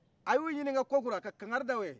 a y'u ɲininka kokura ka kangari da u ye